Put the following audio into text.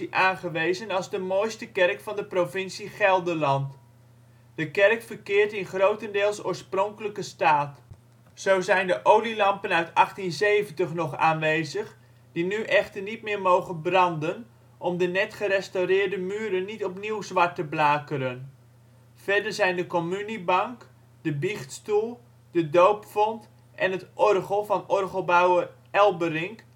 aangewezen als de mooiste kerk van de provincie Gelderland. " De kerk verkeert in grotendeels oorspronkelijke staat. Zo zijn de olielampen uit 1870 nog aanwezig, die nu echter niet meer mogen branden om de net gerestaureerde muren niet opnieuw zwart te blakeren. Verder zijn de communiebank, de biechtstoel, de doopvont en het orgel van orgelbouwer Elberink